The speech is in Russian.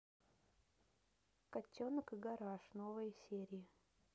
котенок и гараж новые серии